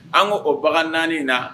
An ko o bagan naani na